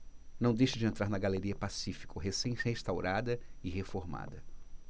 não deixe de entrar na galeria pacífico recém restaurada e reformada